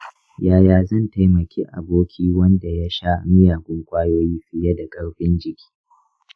yaya zan taimaki aboki wanda ya sha miyagun ƙwayoyi fiye da ƙarfin jiki?